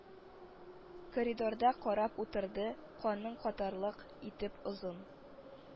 Коридорда карап утырды: каның катарлык итеп озын,